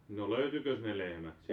no löytyikös ne lehmät -